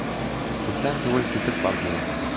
Күптән түгел китеп бардылар.